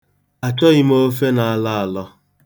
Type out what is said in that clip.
Achọghị m ofe na-alọ alọ.